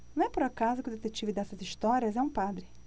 não é por acaso que o detetive dessas histórias é um padre